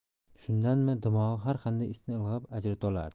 shundanmi dimog'i har qanday isni ilg'ab ajrata olardi